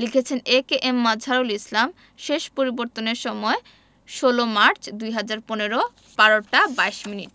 লিখেছেনঃ এ.কে.এম মাযহারুল ইসলাম শেষ পরিবর্তনের সময় ১৬ মার্চ ২০১৫ ১২টা ২২ মিনিট